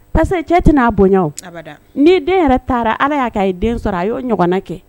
Parce que cɛ tɛna n'a bonya ni' den yɛrɛ taara ala y'a den sɔrɔ a y'o ɲɔgɔn kɛ